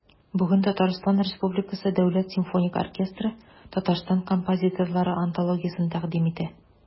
Бүген ТР Дәүләт симфоник оркестры Татарстан композиторлары антологиясен тәкъдим итә.